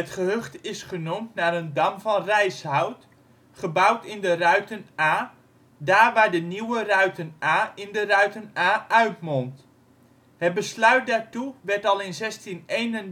gehucht is genoemd naar een dam van rijshout, gebouwd in de Ruiten-Aa, daar waar de Nieuwe Ruiten-Aa in de Ruiten-Aa uitmondt. Het besluit daartoe werd al in 1631